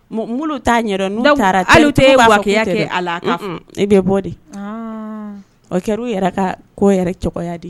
T'a taaraya kɛ ne bɛ bɔ de o kɛra yɛrɛ ka ko yɛrɛ cogoya de ye